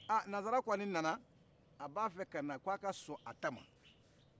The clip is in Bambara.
a nazara kɔni nana a b' a fɛ kana k'aw ka sɔn a ta ma